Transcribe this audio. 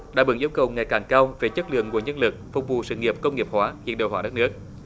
đáp ứng yêu cầu ngày càng cao về chất lượng nguồn nhân lực phục vụ sự nghiệp công nghiệp hóa hiện đại hóa đất nước